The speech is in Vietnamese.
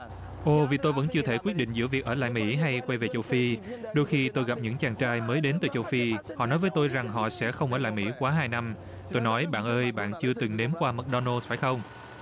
ô vì tôi vẫn chưa thể quyết định giữa việc ở lại mỹ hay quay về châu phi đôi khi tôi gặp những chàng trai mới đến từ châu phi họ nói với tôi rằng họ sẽ không ở lại mỹ quá hai năm tôi nói bạn ơi bạn chưa từng nếm quả mcdonald phải không